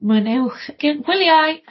Mwynewch gin gwyliau!